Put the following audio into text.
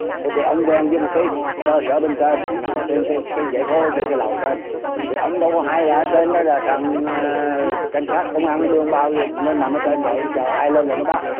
thì thì ông quen với một cái cơ sở bên trên nằm ở trên cái cái dãy phố trên cái lầu trên thì ông đâu có hay là ở trên là cái thằng cảnh sát công an nó đưa ông bao nó nằm ở trên rồi nó chờ ai lên là nó bắt